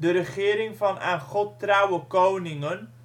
regering van aan God trouwe koningen